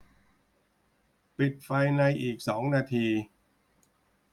ปิดไฟในอีกสองนาที